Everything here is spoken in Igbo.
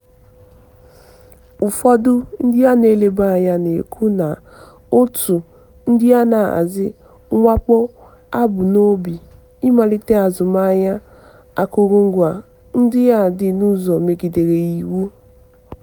Ụfọdụ ndị na-eleba anya na-ekwu na òtù ndị na-ahazi mwakpo a bu n'obi ịmalite azụmahịa akụrụngwa ndị a n'ụzọ megidere iwu.